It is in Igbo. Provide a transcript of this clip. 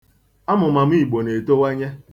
̣Amụmamụ Igbo na-etowanye.